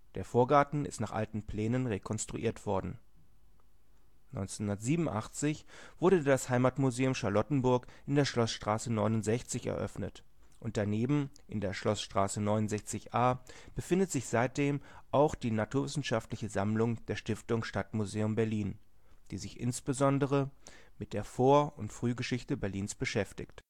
Der Vorgarten ist nach alten Plänen rekonstruiert worden. 1987 wurde das Heimatmuseum Charlottenburg in der Schloßstraße 69 eröffnet und daneben in der Schloßstraße 69a befindet sich seitdem auch die Naturwissenschaftliche Sammlung der Stiftung Stadtmuseum Berlin, die sich insbesondere mit der Vor - und Frühgeschichte Berlins beschäftigt